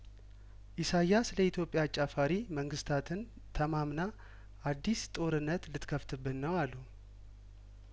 ኢሳያስ ለኢትዮጵያ አጫፋሪ መንግስታትን ተማምና አዲስ ጦርነት ልትከፍትብን ነው አሉ